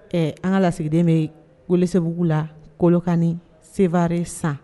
Ɛ an ka lasigiden bɛ weele sebugu la kolonkan sebaare san